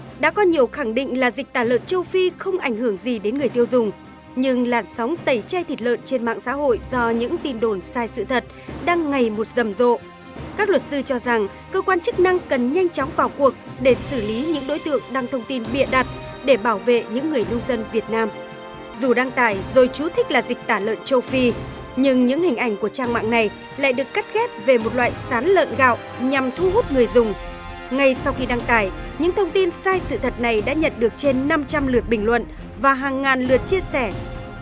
đã có nhiều khẳng định là dịch tả lợn châu phi không ảnh hưởng gì đến người tiêu dùng nhưng làn sóng tẩy chay thịt lợn trên mạng xã hội do những tin đồn sai sự thật đang ngày một rầm rộ các luật sư cho rằng cơ quan chức năng cần nhanh chóng vào cuộc để xử lý những đối tượng đang thông tin bịa đặt để bảo vệ những người nông dân việt nam dù đăng tải rồi chú thích là dịch tả lợn châu phi nhưng những hình ảnh của trang mạng này lại được cắt ghép về một loại sán lợn gạo nhằm thu hút người dùng ngay sau khi đăng tải những thông tin sai sự thật này đã nhận được trên năm trăm lượt bình luận và hàng ngàn lượt chia sẻ